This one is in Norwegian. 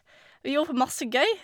Vi gjorde på masse gøy.